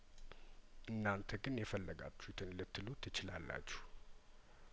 እናንተ ግን የፈለጋችሁትን ልትሉ ትችላላችሁ